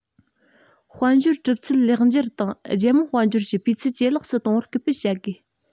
དཔལ འབྱོར གྲུབ ཚུལ ལེགས འགྱུར དང རྒྱལ དམངས དཔལ འབྱོར གྱི སྤུས ཚད ཇེ ལེགས སུ གཏོང བར སྐུལ སྤེལ བྱ དགོས